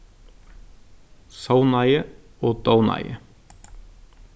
sovnaði og dovnaði